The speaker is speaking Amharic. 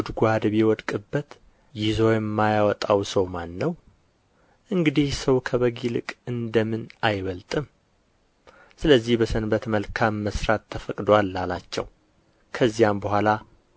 በጉድጓድ ቢወድቅበት ይዞ የማያወጣው ሰው ማን ነው እንግዲህ ሰው ከበግ ይልቅ እንደምን አይበልጥም ስለዚህ በሰንበት መልካም መሥራት ተፈቅዶአል አላቸው